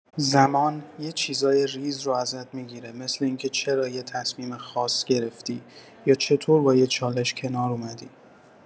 زمان، یه چیزای ریز رو ازت می‌گیره، مثل اینکه چرا یه تصمیم خاص گرفتی یا چطور با یه چالش کنار اومدی.